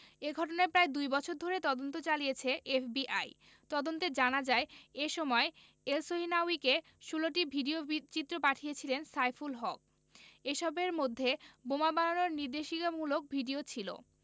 এ ঘটনায় প্রায় দুই বছর ধরে তদন্ত চালিয়েছে এফবিআই তদন্তে জানা যায় এ সময় এলসহিনাউয়িকে ১৬টি ভিডিওচিত্র পাঠিয়েছিলেন সাইফুল হক এসবের মধ্যে বোমা বানানোর নির্দেশিকামূলক ভিডিও ছিল